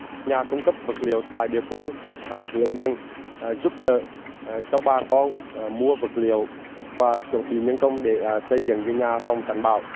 nhà cung cấp vật liệu tại địa phương hướng dẫn giúp đỡ cho bà con mua vật liệu và chuẩn bị nhân công để xây dựng cái nhà phòng tránh bão